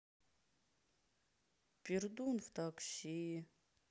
пердун в такси